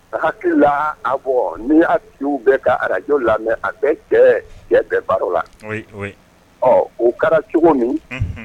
Hakili a bɔ ni' bɛ ka arajo lamɛn mɛ a bɛɛ cɛ cɛ bɛɛ baro la ɔ o kɛra cogo min